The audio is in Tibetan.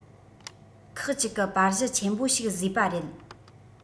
ཁག གཅིག གི པར གཞི ཆེན པོ ཞིག བཟོས པ རེད